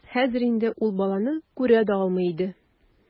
Хәзер инде ул баланы күрә дә алмый иде.